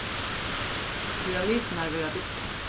pyramidurnar verða bygdar